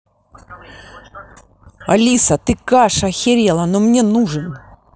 алиса ты каша охерела но мне нужен